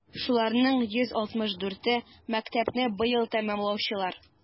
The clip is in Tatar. Шуларның 164е - мәктәпне быел тәмамлаучылар.